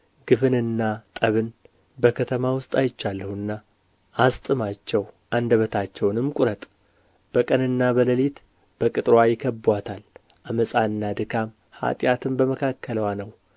ግፍንና ጠብን በከተማ ውስጥ አይቼአለሁና አስጥማቸው እንደበታቸውንም ቍረጥ በቀንና በሌሊት በቅጥርዋ ይከብቡአታል ዓመፃና ድካም ኃጢአትም በመካከልዋ ነው